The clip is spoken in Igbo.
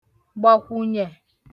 gbàkwùnyẹ̀